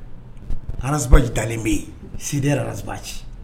Ras Bath daalen bɛ ye CDR Ras Bath